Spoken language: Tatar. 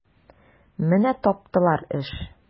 Менә таптылар эш!